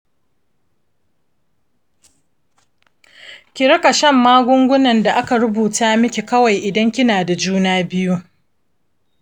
ki riƙa shan magungunan da aka rubuta miki kawai idan kina da juna biyu.